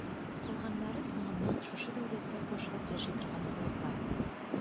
Калганнары соңыннан шушы дәүләткә кушылып яши торган халыклар.